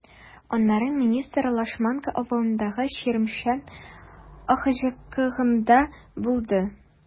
Аннары министр Лашманка авылындагы “Чирмешән” АХҖКында булды.